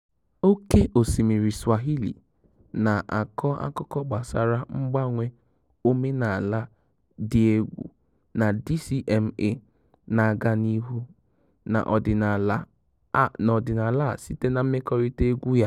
Oke osimmiri Swahili na-akọ akụkọ gbasara mgbanwe omenaala dị egwu na DCMA na-aga n'ihu na ọdịnaala a site na mmekorita egwu ya.